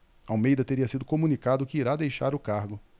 almeida teria sido comunicado que irá deixar o cargo